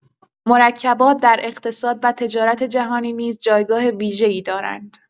مرکبات در اقتصاد و تجارت جهانی نیز جایگاه ویژه‌ای دارند.